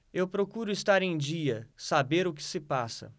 eu procuro estar em dia saber o que se passa